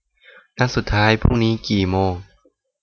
นัดสุดท้ายพรุ่งนี้กี่โมง